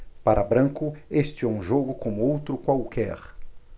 para branco este é um jogo como outro qualquer